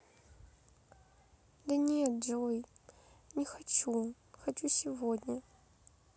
да нет джой не хочу хочу сегодня